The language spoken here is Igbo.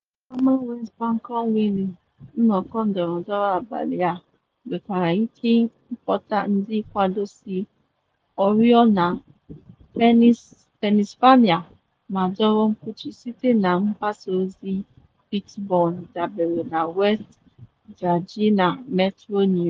Etinyere na Ama Wesbanco Wheeling, nnọkọ ndọrọndọrọ abalị a nwekere ike ịkpọta ndị nkwado si “Ohio na Pennsylvania ma dọrọ mkpuchi site na mgbasa ozi Pittsburgh,”dabere na West Virginia Metro News.